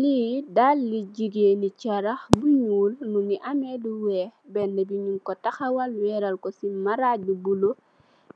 Li daali jigeen yi cxarax bu nuul mongi ame lu weex bene bi nyun ko taxawal si marag bu bulu